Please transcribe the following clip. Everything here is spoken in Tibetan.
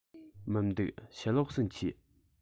མི འདུག ཕྱི ལོགས སུ མཆིས